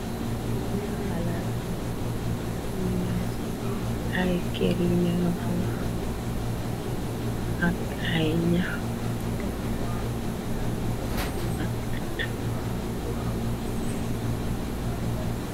Daka aala la, nyi ngi gis ay ker yi nekka fof, ak ay nax, ak aat.